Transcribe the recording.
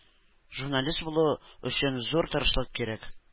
Журналист булу өчен зур тырышлык кирәк.